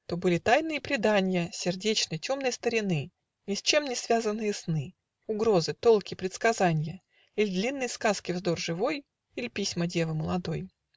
То были тайные преданья Сердечной, темной старины, Ни с чем не связанные сны, Угрозы, толки, предсказанья, Иль длинной сказки вздор живой, Иль письма девы молодой.